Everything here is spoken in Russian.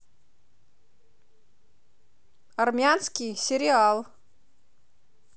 армянский сериал